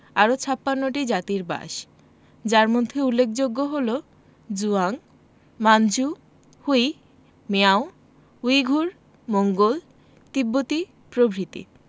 আরও ৫৬ টি জাতির বাস যার মধ্যে উল্লেখযোগ্য হলো Zhuang Manchu Hui Miao Uyghur Mongol তিব্বতি প্রভৃতি